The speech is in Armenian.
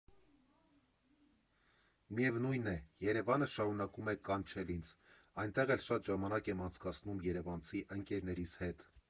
Միևնույն է, Երևանը շարունակում է կանչել ինձ, այնտեղ էլ շատ ժամանակ եմ անցկացնում երևանցի ընկերներիս հետ։